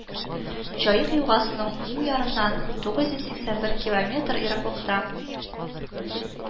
Җаек елгасының уң ярыннан тугыз йөз сиксә бер километр ераклыкта